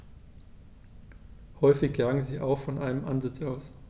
Häufig jagen sie auch von einem Ansitz aus.